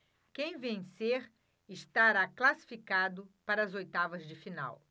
quem vencer estará classificado para as oitavas de final